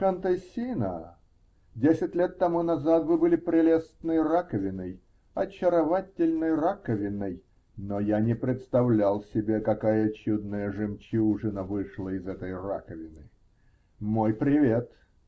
Контессина , десять лет тому назад вы были прелестной раковиной, очаровательной раковиной, но я не представлял себе, какая чудная жемчужина вышла из этой раковины. Мой привет!